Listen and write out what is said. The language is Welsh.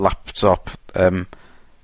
laptop yym